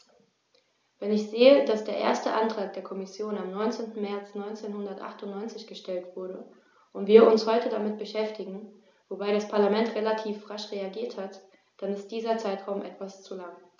Wenn ich sehe, dass der erste Antrag der Kommission am 19. März 1998 gestellt wurde und wir uns heute damit beschäftigen - wobei das Parlament relativ rasch reagiert hat -, dann ist dieser Zeitraum etwas zu lang.